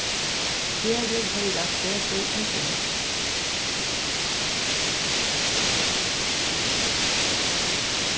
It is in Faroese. gerðir hoyrast betur enn orð